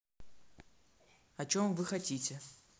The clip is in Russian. о чем вы хотите